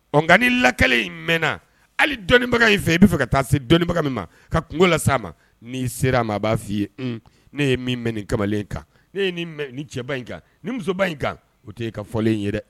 Ɔ nka ni laka in mɛnna hali dɔnniibaga in fɛ i b'a fɛ ka taa se dɔnnibaga min ma ka kungo la s' a ma n'i sera a ma a b'a f fɔ'i ye ne ye min mɛn nin kamalen ne cɛ ba in kan ni musoba in kan o tɛ ka fɔlen in ye dɛ